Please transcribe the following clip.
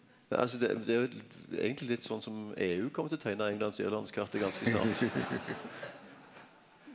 altså eigentleg litt sånn som EU kjem til å teikne England sine landskart ganske snart.